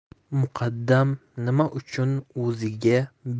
muqaddam nima uchun o'ziga